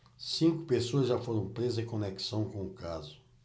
cinco pessoas já foram presas em conexão com o caso